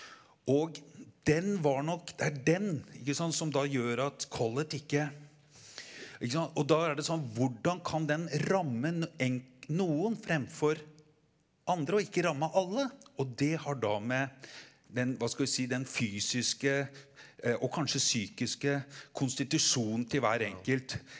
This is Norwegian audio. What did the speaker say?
og den var nok det er den ikke sant som da gjør at Collett ikke ikke sant og da er det sånn hvordan kan den ramme noen fremfor andre og ikke ramme alle og det har da med den hva skal vi si den fysiske og kanskje psykiske konstitusjonen til hver enkelt.